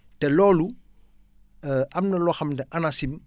te loolu am na loo xam ne ANACIM